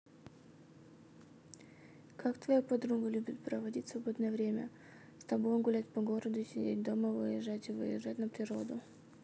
как твоя подруга любит проводить свободное время с тобой гулять по городу сидеть дома выезжать и выезжать на природу